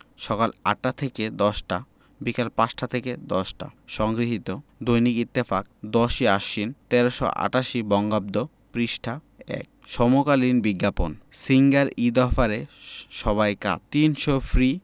সকাল ৮টা থেকে ১০টা বিকাল ৫টা থেকে ১০টা সংগৃহীত দৈনিক ইত্তেফাক ১০ই আশ্বিন ১৩৮৮ বঙ্গাব্দ পৃষ্ঠা ১ সমকালীন বিজ্ঞাপন সিঙ্গার ঈদ অফারে সবাই কাত ৩০০ ফ্রি